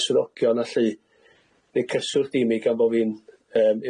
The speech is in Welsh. o''r swyddogion allu neu' cyswllt i mi gan bo' fi'n yym